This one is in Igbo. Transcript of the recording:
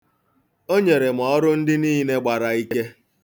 O nyere m ọrụ ndị niile gbara ike.